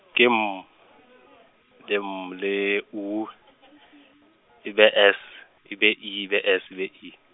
ke M , le M le U , ebe S ebe I ebe S ebe I.